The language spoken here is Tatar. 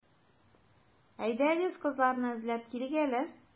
Әйдәгез, кызларны эзләп килик әле.